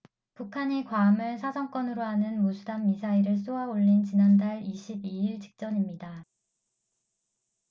북한이 괌을 사정권으로 하는 무수단 미사일을 쏘아 올린 지난달 이십 이 일 직전입니다